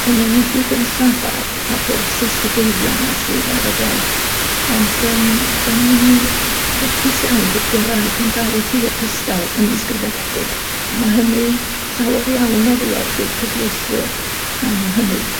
Yn enwedig yn llafar a'r holl Saesnigeiddio 'ma sydd ar yr iaith ond yym 'dan ni'n lw- lwcus iawn bod y Gymraeg yn dal 'i thir cystal yn ysgrifenedig a ma' hynny llawer iawn o ddiolch i'r cyfieithwyr am hynny.